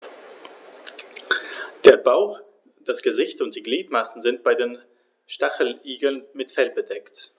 Der Bauch, das Gesicht und die Gliedmaßen sind bei den Stacheligeln mit Fell bedeckt.